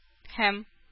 Һәм